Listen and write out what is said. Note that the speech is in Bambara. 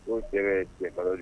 Ko sɛbɛn cɛ kalo de